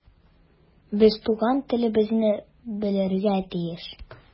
Без туган телебезне белергә тиеш.